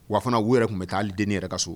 Wa fana wo yɛrɛ tun bɛ taa den yɛrɛ ka so